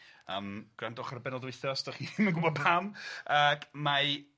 yym gwrandwch ar y bennod dwytha os 'dach chi ddim yn gwybo pam ag mae